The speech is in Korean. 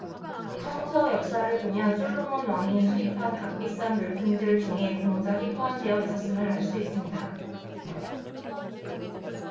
성서 역사를 보면 솔로몬 왕이 수입한 값비싼 물품들 중에 공작이 포함되어 있었음을 알 수 있습니다